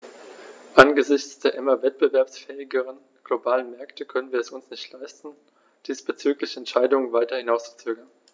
Angesichts der immer wettbewerbsfähigeren globalen Märkte können wir es uns nicht leisten, diesbezügliche Entscheidungen weiter hinauszuzögern.